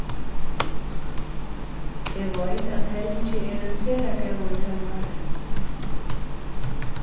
eg veit at helgi er ein sera góður telvari